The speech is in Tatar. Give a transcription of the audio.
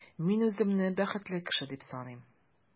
Мин үземне бәхетле кеше дип саныйм.